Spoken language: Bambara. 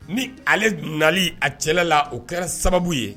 Ni ale nali a cɛla la o kɛra sababu ye